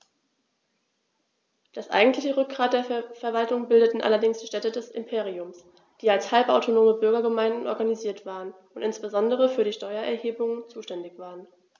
Das eigentliche Rückgrat der Verwaltung bildeten allerdings die Städte des Imperiums, die als halbautonome Bürgergemeinden organisiert waren und insbesondere für die Steuererhebung zuständig waren.